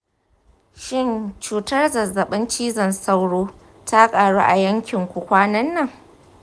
shin cutar zazzabin cizon sauro ta ƙaru a yankinku kwanan nan?